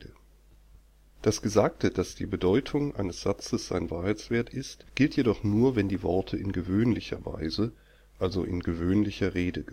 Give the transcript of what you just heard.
Gesagte, dass die Bedeutung eines Satzes sein Wahrheitswert ist, gilt jedoch nur, wenn die Worte in gewöhnlicher Weise, also in „ gewöhnlicher “Rede